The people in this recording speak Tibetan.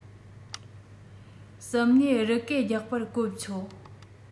གསུམ ནས རི སྐད རྒྱག པར གོ ཆོད